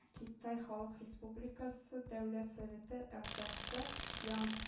Китай Халык Республикасы Дәүләт Советы әгъзасы Ян